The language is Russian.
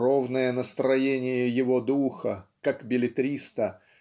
ровное настроение его духа как беллетриста